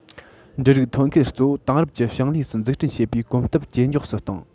འབྲུ རིགས ཐོན ཁུལ གཙོ བོ དེང རབས ཀྱི ཞིང ལས སུ འཛུགས སྐྲུན བྱེད པའི གོམ སྟབས ཇེ མགྱོགས སུ བཏང